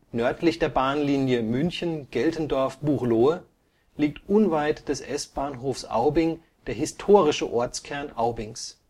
Nördlich der Bahnlinie München – Geltendorf – Buchloe liegt unweit des S-Bahnhofs Aubing der historische Ortskern Aubings